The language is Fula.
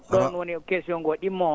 ɗoon woni question goo ɗimmo oo